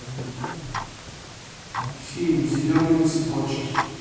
фильм зеленые цепочки